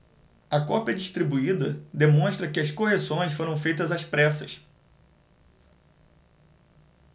a cópia distribuída demonstra que as correções foram feitas às pressas